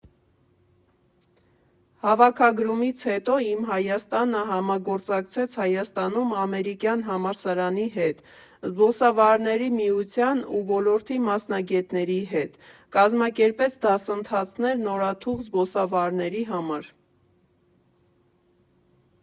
Հավաքագրումից հետո «Իմ Հայաստանը» համագործակցեց Հայաստանում ամերիկյան համալսարանի հետ, Զբոսավարների միության ու ոլորտի մասնագետների հետ, կազմակերպեց դասընթացներ նորաթուխ զբոսավարների համար։